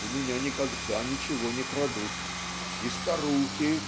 у меня никогда ничего не крадут и старухи